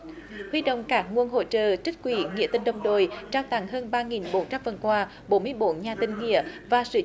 huy động cả nguồn hỗ trợ trích quỹ nghĩa tình đồng đội trao tặng hơn ba nghìn bộ các phần quà bổ mít bốn nhà tình nghĩa và sửa